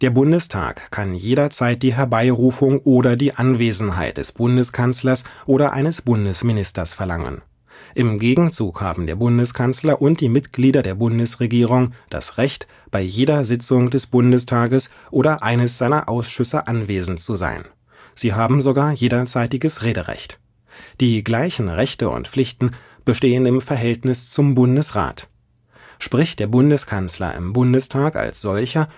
Bundestag kann jederzeit die Herbeirufung oder die Anwesenheit des Bundeskanzlers oder eines Bundesministers verlangen. Im Gegenzug haben der Bundeskanzler und die Mitglieder der Bundesregierung das Recht, bei jeder Sitzung des Bundestages oder eines seiner Ausschüsse anwesend zu sein. Sie haben sogar jederzeitiges Rederecht. Die gleichen Rechte und Pflichten bestehen im Verhältnis zum Bundesrat. Spricht der Bundeskanzler im Bundestag als solcher